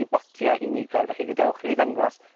i botie unigol. Felly, gadewch i ni ddangos